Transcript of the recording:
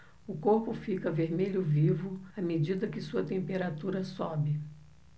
o corpo fica vermelho vivo à medida que sua temperatura sobe